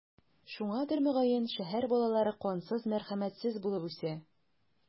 Шуңадыр, мөгаен, шәһәр балалары кансыз, мәрхәмәтсез булып үсә.